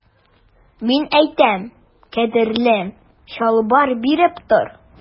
Мин әйтәм, кадерлем, чалбар биреп тор.